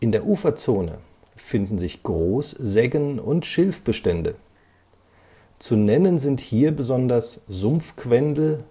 der Uferzone finden sich Großseggen und Schilfbestände. Zu nennen sind hier besonders Sumpfquendel